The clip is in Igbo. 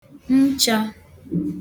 nchā